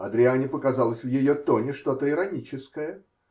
Адриане показалось в ее тоне что-то ироническое.